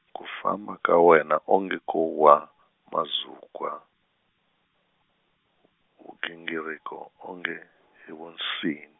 ku famba ka wena onge ko wa, mazukwa, vugingiriko onge, i vunsini.